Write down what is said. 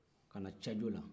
ka na cajo la